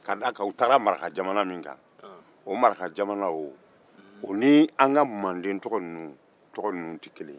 k'a s'a kan u taara marakajamana min kan o marakajamana o ni an ka manden tɔgɔ ninnu tɛ kelen ye